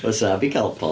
Wasabi Calpol.